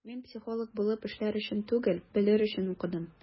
Мин психолог булып эшләр өчен түгел, белер өчен укыдым.